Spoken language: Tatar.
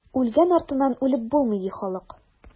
Үлгән артыннан үлеп булмый, ди халык.